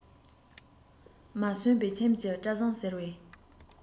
མ སོན པའི ཁྱིམ གྱི བཀྲ བཟང ཟེར བའི